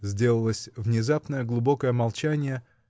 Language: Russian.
-- Сделалось внезапное, глубокое молчанье